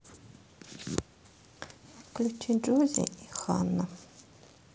включи джоззи и ханна